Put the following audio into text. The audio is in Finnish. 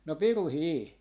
no pirukin